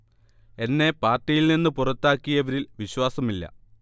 എന്നെ പാർട്ടിയിൽ നിന്ന് പുറത്താക്കിയവരിൽ വിശ്വാസമില്ല